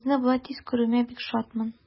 Сезне болай тиз күрүемә бик шатмын.